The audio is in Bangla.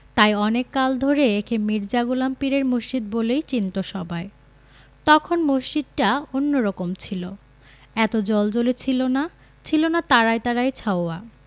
তাই অনেক কাল ধরে একে মির্জা গোলাম পীরের মসজিদ বলেই চিনতো সবাই তখন মসজিদটা অন্যরকম ছিল এত জ্বলজ্বলে ছিল না ছিলনা তারায় তারায় ছাওয়া